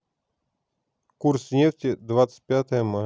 курс нефти двадцать пятое мая